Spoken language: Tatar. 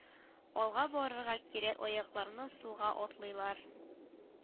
Алга барырга кирәк аякларны сулга атлыйлар